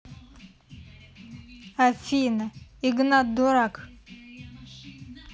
афина игнат дурак